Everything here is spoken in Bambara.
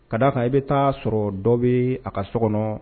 Ka d'a kan i bɛ taa sɔrɔ dɔ bɛ a ka so kɔnɔ